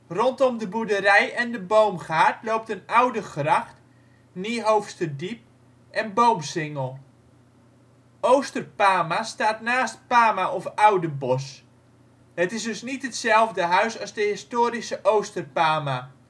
Rondom de boerderij en de boomgaard loopt een oude gracht (Niehoofsterdiep) en boomsingel. Oosterpama staat naast Pama/Oudebosch. Het is dus niet hetzelfde huis als de historische Ooster Pama. Het voorhuis